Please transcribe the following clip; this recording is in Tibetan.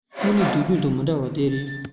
ཁས ལེན དུས རྒྱུན དང མི འདྲ བ དེ རེད